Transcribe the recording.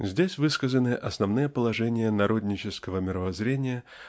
Здесь высказаны основные положения народнического мировоззрения